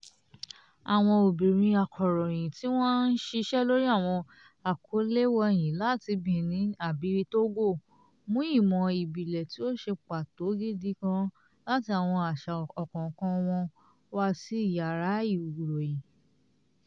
Àwọn obìnrin akọ̀ròyìn tí wọ́n ń ṣiṣẹ́ lórí àwọn àkọlé wọ̀nyìí láti Benin àbí Togo, mú ìmọ̀ ìbílẹ̀ tí ó ṣe pàtó gidi gan láti àwọn àṣà ọ̀kọ̀ọ̀kan wọn wá sí yàrá ìròyìn.